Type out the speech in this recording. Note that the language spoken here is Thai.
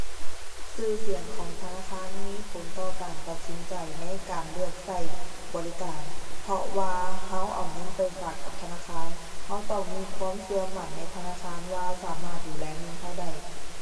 ชื่อเสียงของธนาคารมีผลต่อการตัดสินใจในการเลือกชื่อบริการ เพราะว่าชื่อเอาเงินไปฝากกับธนาคาร ชื่อต้องมีความชื่อมั่นในธนาคารว่าสามารถดูแลเงินชื่อได้